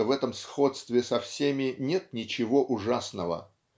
что в этом сходстве со всеми нет ничего ужасного